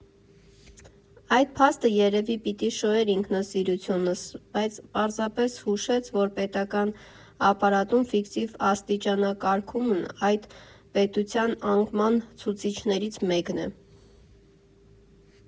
Այդ փաստը երևի պիտի շոյեր ինքնասիրությունս, բայց պարզապես հուշեց, որ պետական ապարատում ֆիկտիվ աստիճանակարգումն այդ պետության անկման ցուցիչներից մեկն է։